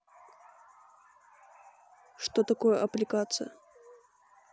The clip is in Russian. что такое аппликация